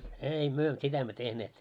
ei me sitä emme tehneet